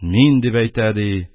Мин, дип әйтә, ди